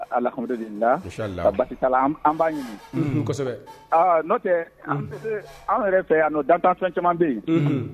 Ahami da basi b'a ɲini n'o tɛ an yɛrɛ fɛ yan dantanfɛn caman bɛ yen